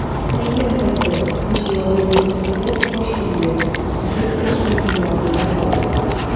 Әйе, әфәндем, - дип җавап бирде д’Артаньян, башын иеп, - безнең өлешкә тиде андый бәхет.